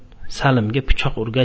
salimga pichok urgach